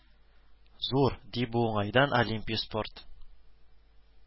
Зур, ди бу уңайдан олимпия спорт